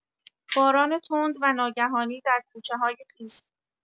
باران تند و ناگهانی در کوچه‌های خیس